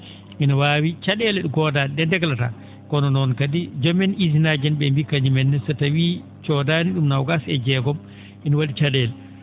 ina waawi ca?eele goodaa?e ?e deglata kono noon kadi joom en usine aji en ?e mbiyi kañum en ne so tawii codaani ?um noogaas e jeegom ina wa?ii ca?eele